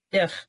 Diolch.